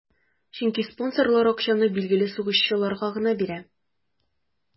Чөнки спонсорлар акчаны билгеле сугышчыларга гына бирә.